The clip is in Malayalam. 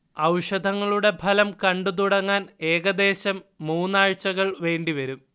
ഔഷധങ്ങളുടെ ഫലം കണ്ടുതുടങ്ങാൻ ഏകദേശം മൂന്നാഴ്ചകൾ വേണ്ടിവരും